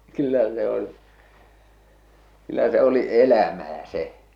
kyllä se on kyllä se oli elämää se